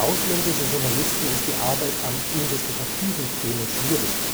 ausländische Journalisten ist die Arbeit an investigativen Themen schwierig;